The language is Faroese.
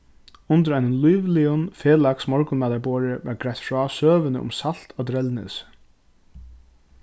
undir einum lívligum felags morgunmatarborði varð greitt frá søguni um salt á drelnesi